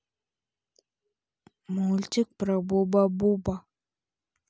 мультик про бубу буба